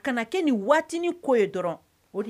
Kana kɛ nin waatini ko ye dɔrɔn